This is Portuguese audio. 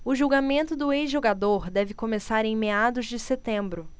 o julgamento do ex-jogador deve começar em meados de setembro